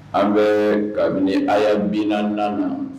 An bɛ kabini a'a bin na na